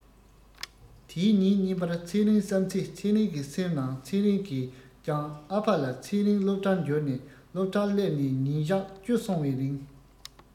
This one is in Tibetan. དེའི ཉིན གཉིས པར ཚེ རིང བསམ ཚེ རིང གི སེམས ནང ཚེ རིང གིས ཀྱང ཨ ཕ ལ ཚེ རིང སློབ གྲྭར འབྱོར ནས སློབ གྲྭར སླེབས ནས ཉིན གཞག བཅུ སོང བའི རིང